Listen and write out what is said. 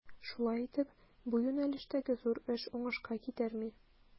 Шулай итеп, бу юнәлештәге зур эш уңышка китерми.